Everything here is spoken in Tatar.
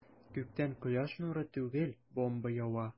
Күктән кояш нуры түгел, бомба ява.